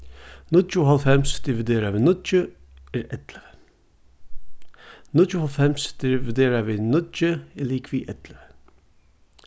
níggjuoghálvfems dividerað við níggju er ellivu níggjuoghálvfems dividerað við níggju er ligvið ellivu